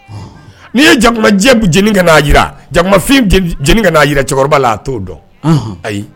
N'i ye jakuma jeni ka'a jira jakumafin ka'a jira cɛkɔrɔba'o dɔn ayi